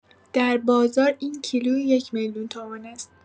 در بازار، این کیلویی یک‌میلیون تومان است.